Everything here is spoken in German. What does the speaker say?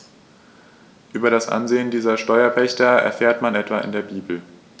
Über das Ansehen dieser Steuerpächter erfährt man etwa in der Bibel.